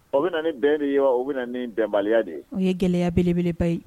O bɛ na bɛn de wa o bɛ na nin bɛnbaliya de ye o ye gɛlɛya belebeleba ye